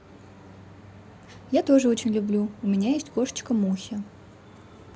я тоже очень люблю у меня есть кошечка муся